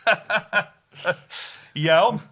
Iawn.